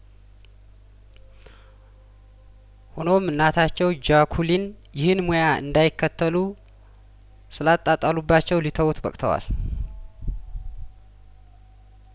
ሆኖም እናታቸው ጃኩሊን ይህን ሙያ እንዳይከተሉ ስላጣጣሉባቸው ሊተውት በቅተዋል